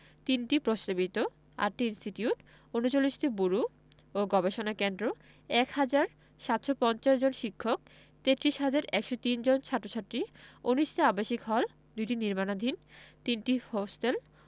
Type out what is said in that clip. ৩টি প্রস্তাবিত ৮টি ইনস্টিটিউট ৩৯টি ব্যুরো ও গবেষণা কেন্দ্র ১ হাজার ৭৫০ জন শিক্ষক ৩৩ হাজার ১০৩ জন ছাত্র ছাত্রী ১৯টি আবাসিক হল ২টি নির্মাণাধীন ৩টি হোস্টেল